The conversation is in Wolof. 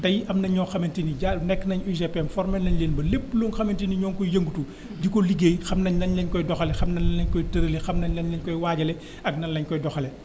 tey am na ñoo xamante ni jaar nekk nañu UGPM formé nañu leen ba lépp lu nga xamante ni ñoo ngi koy yëngatu di ko léggéey xam nañ nan la ñu koy doxalee xam nañ nan la ñu koy tëralee xam nañ nan la ñu koy waajalee ak nan la ñu koy doxalee